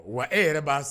Wa e yɛrɛ b'a